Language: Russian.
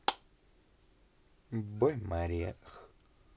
boy mariah